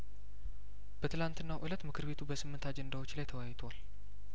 በትላንትናው እለት ምክር ቤቱ በስምንት አጀንዳዎች ላይ ተወያይቷል